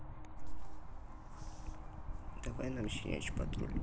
давай нам щенячий патруль